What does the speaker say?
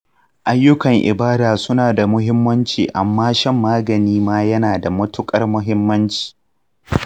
ayyukan ibada suna da muhimmanci, amma shan magani ma yana da matuƙar muhimmanci.